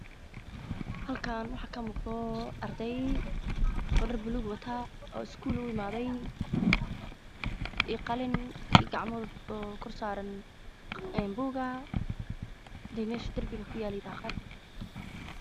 Waa gabdho wataan xijaabo buluug ah oo gacanta ku hayaan buugaaggii qaliman